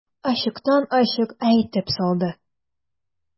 Ачыктан-ачык әйтеп салды.